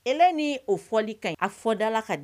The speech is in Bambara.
E ni o fɔli ka a fɔ dala ka di